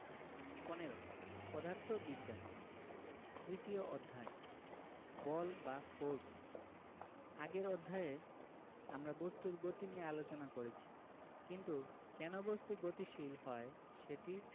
১৫ পদার্থবিদ্যা তৃতীয় অধ্যায় বল বা ফোরস আগের অধ্যায়ে আমরা বস্তুর গতি নিয়ে আলোচনা করেছি কিন্তু কেন বস্তু গতিশীল হয় সেটি